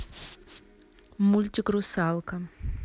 мультик русалка